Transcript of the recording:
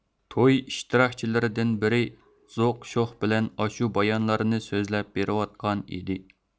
توي ئىشتراكچىلىرىدىن بىرى زوق شوخ بىلەن ئاشۇ بايانلارنى سۆزلەپ بېرىۋاتقان ئىدى